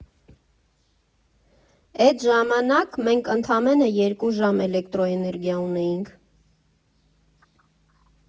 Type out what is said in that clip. Էդ Ժամանակ մենք ընդամենը երկու ժամ էլեկտրաէներգիա ունեինք։